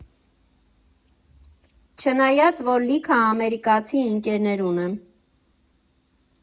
Չնայած, որ լիքը ամերիկացի ընկերներ ունեմ։